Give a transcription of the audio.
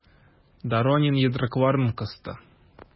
Доронин йодрыкларын кысты.